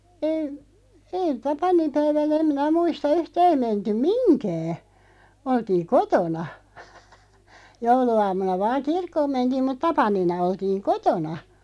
ei ei tapaninpäivänä en minä muista yhtään ei menty mihinkään oltiin kotona jouluaamuna vain kirkkoon mentiin mutta tapanina oltiin kotona